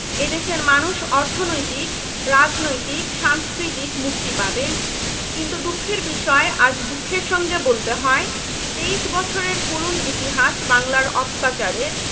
এদেশের মানুষ অর্থনৈতিক রাজনৈতিক সাংস্কৃতিক মুক্তি পাবে কিন্তু দুঃখের বিষয় আজ দুঃখের সঙ্গে বলতে হয় ২৩ বছরের করুন ইতিহাস বাংলার অত্যাচারের